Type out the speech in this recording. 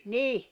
niin